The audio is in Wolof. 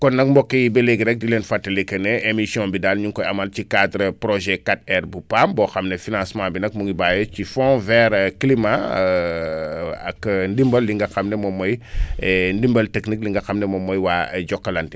kon nag mbokk yi ba léegi rek di leen fàttali que ne émission bi daal ñu ngi koy amal ci cadre projet 4R bu PAM boo xam ne financement bi nag mu ngi bàyyee ci fond vers climat ak ndimbal li nga xam ne moom mooy ndimbal technique bi nga xam ne moom mooy waa Jokalante